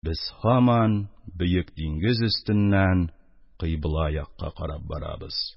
Без һаман бөек диңгез өстеннән кыйбла якка карап барабыз.